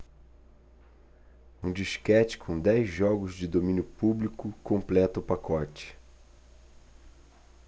um disquete com dez jogos de domínio público completa o pacote